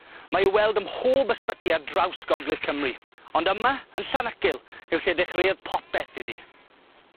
Mae i'w weld ym mhob ysbyty ar draws Gogledd Cymru ond yma yn Llanacil yw lle dechreuodd popeth iddi.